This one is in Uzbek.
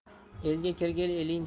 elga kirgil elingcha